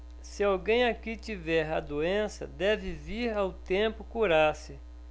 se alguém aqui tiver a doença deve vir ao templo curar-se